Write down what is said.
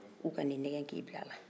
u kana i nɛgɛ k' i bila a la